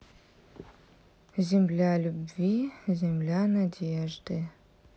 земля любви земля надежды